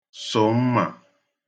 sụ̀ mmà